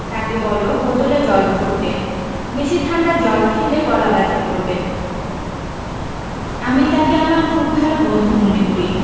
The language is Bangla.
তাকে বলো বোতলে জল ভরতে বেশী ঠান্ডা জল খেলে গলা ব্যাথা করবে আমি তাকে আমার খুব ভালো বন্ধু মনে করি